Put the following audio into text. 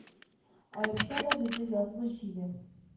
Аерса да безне язмыш җиле,